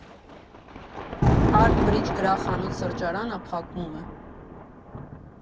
Արտ Բրիջ գրախանութ֊սրճարանը փակվում է։